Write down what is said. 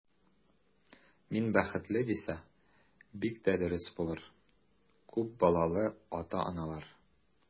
Мин бәхетле, дисә, бик тә дөрес булыр, күп балалы ата-аналар.